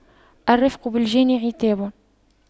الرفق بالجاني عتاب